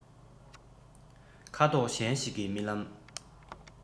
ཁ དོག གཞན ཞིག གི རྨི ལམ